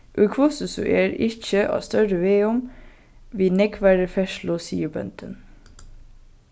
í hvussu so er ikki á størri vegum við nógvari ferðslu sigur bóndin